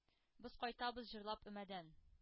Без кайтабыз җырлап өмәдән.